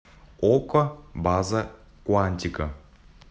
окко база куантико